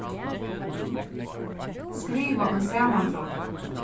skriva ein samandrátt